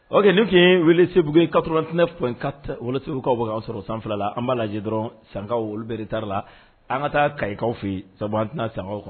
O kɛ' tun weele se karlat fɔsiurukaw bɔ sɔrɔ san filala an b'a lajɛ dɔrɔn sankaw olu bɛri tari la an ka taa kakaw fɛ saba tɛna san kɔnɔ